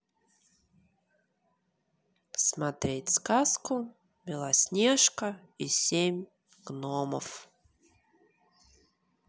смотреть сказку белоснежка и семь гномов